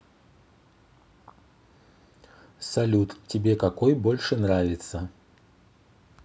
салют тебе какой больше нравится